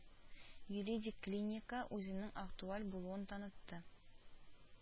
Юридик клиника үзенең актуаль булуын танытты